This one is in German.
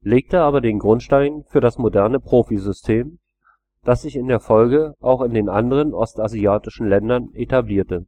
legte aber den Grundstein für das moderne Profi-System, das sich in der Folge auch in den anderen ostasiatischen Ländern etablierte